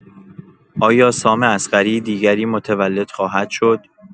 آیا سام اصغری دیگری متولد خواهد شد؟